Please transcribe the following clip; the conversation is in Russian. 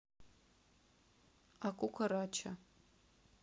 а кукарача